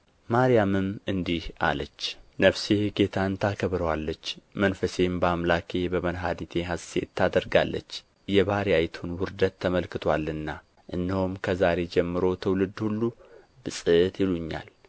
ማርያምም እንዲህ አለች ነፍሴ ጌታን ታከብረዋለች መንፈሴም በአምላኬ በመድኃኒቴ ሐሴት ታደርጋለች የባሪያይቱን ውርደት ተመልክቶአልና እነሆም ከዛሬ ጀምሮ ትውልድ ሁሉ ብፅዕት ይሉኛል